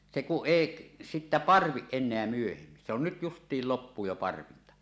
se kun ei sitten parvi enää myöhemmin se on nyt justiin loppuu jo parvinta